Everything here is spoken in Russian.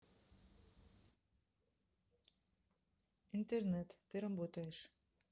интернет ты работаешь